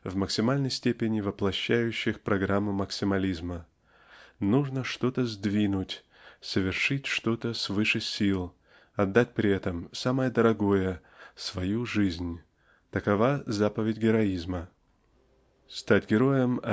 в максимальной степени воплощающих программу максимализма". Нужно что-то сдвинуть совершить что-то свыше сил отдать при этом самое дорогое свою жизнь -- такова заповедь героизма. Стать героем